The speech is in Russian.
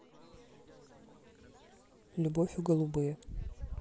любовь и голубые